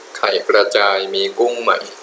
ไข่กระจายมีกุ้งไหม